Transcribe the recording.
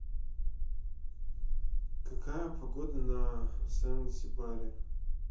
какая погода на занзибаре